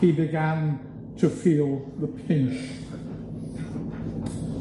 He began to feel the pinch.